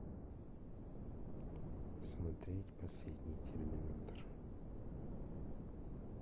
смотреть последний терминатор